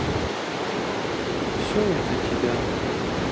все из за тебя